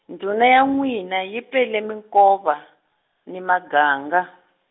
ndhuna ya n'wina yi pele minkova, ni maganga.